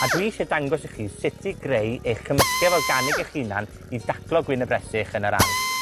A dwi isie dangos i chi sut i greu eich cymysgedd organig eich hunan i daclo gwyn y bresych yn yr ardd.